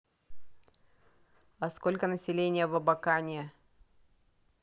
а сколько население в абакане